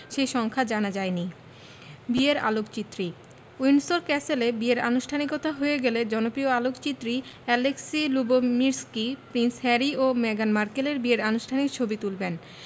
সেই সংখ্যা জানা যায়নি বিয়ের আলোকচিত্রী উইন্ডসর ক্যাসেলে বিয়ের আনুষ্ঠানিকতা হয়ে গেলে জনপ্রিয় আলোকচিত্রী অ্যালেক্সি লুবোমির্সকি প্রিন্স হ্যারি ও মেগান মার্কেলের বিয়ের আনুষ্ঠানিক ছবি তুলবেন